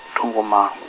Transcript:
tho ngo mala.